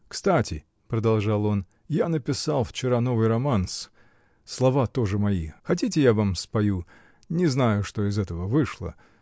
Кстати, -- продолжал он, -- я написал вчера новый романс; слова тоже мои. Хотите, я вам опою? Не знаю, что из этого вышло